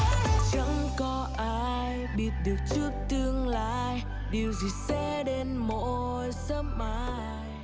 chẳng có sai biết được trước tương lai điều gì sẽ đến mỗi sớm mai